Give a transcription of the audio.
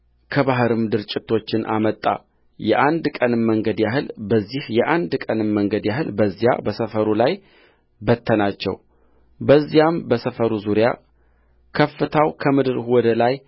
ከባሕርም ድርጭቶችን አመጣ የአንድ ቀንም መንገድ ያህል በዚህ የአንድ ቀንም መንገድ ያህል በዚያ በሰፈሩ ላይ በተናቸው በዚያም በሰፈሩ ዙሪያ ከፍታው ከምድር ወደ ላይ